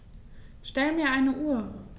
Stell mir eine Uhr.